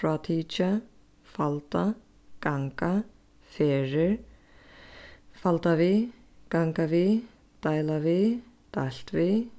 frátikið falda ganga ferðir faldað við gangað við deila við deilt við